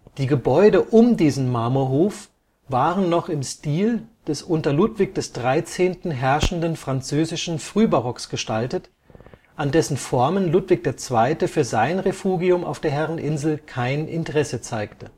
Die Gebäude um diesen Marmorhof waren noch im Stil des unter Ludwig XIII. herrschenden französischen Frühbarocks gestaltet, an dessen Formen Ludwig II. für sein Refugium auf der Herreninsel kein Interesse zeigte